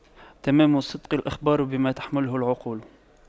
تمام الصدق الإخبار بما تحمله العقول